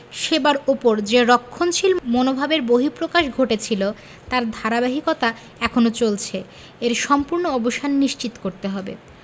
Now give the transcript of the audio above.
সেবার ওপর যে রক্ষণশীল মনোভাবের বহিঃপ্রকাশ ঘটেছিল তার ধারাবাহিকতা এখনো চলছে এর সম্পূর্ণ অবসান নিশ্চিত করতে হবে